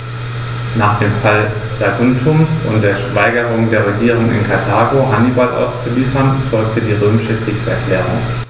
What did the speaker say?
Nach dem Fall Saguntums und der Weigerung der Regierung in Karthago, Hannibal auszuliefern, folgte die römische Kriegserklärung.